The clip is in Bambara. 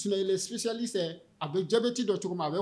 Sun susiyalisa a bɛ jabe ci dɔ cogo